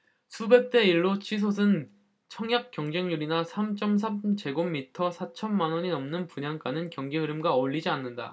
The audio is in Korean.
수백 대 일 로 치솟은 청약 경쟁률이나 삼 쩜 삼 제곱미터에 사천 만원이 넘은 분양가는 경기흐름과 어울리지 않는다